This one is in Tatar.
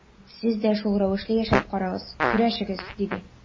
Сез дә шул рәвешле яшәп карагыз, көрәшегез, диде.